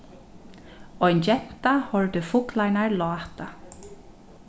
ein genta hoyrdi fuglarnar láta